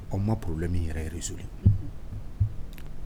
O ma porola min yɛrɛ yɛrɛ sori